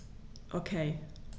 Okay.